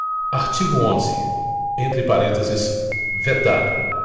artigo onze entre parênteses vetado